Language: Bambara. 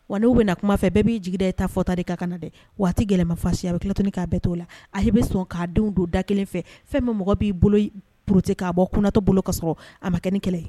Wa n' u bɛna na kuma fɛ bɛɛ b'i jigida e ta fɔta de ka ka na dɛ waati gɛlɛnmasafasiya a bɛ kilat k'a bɛɛ t' la a'i bɛ sɔn k'a denw don da kelen fɛ fɛn min mɔgɔ b'i bolo porote k kaa bɔ kuntɔ bolo ka sɔrɔ a ma kɛ kɛlɛ